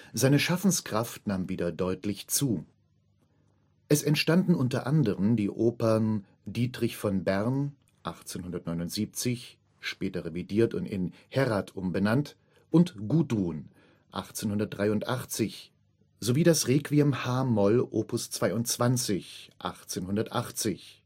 Seine Schaffenskraft nahm wieder deutlich zu. Es entstanden u.a. die Opern Dietrich von Bern (1879, später revidiert und in Herrat umbenannt) und Gudrun (1883), sowie das Requiem h-Moll op. 22 (1880